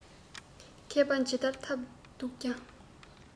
མཁས པ ཇི ལྟར ཐབས རྡུགས ཀྱང